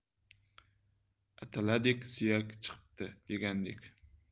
ataladan suyak chiqibdi degandek